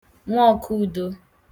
nwọ ọ̀kụudo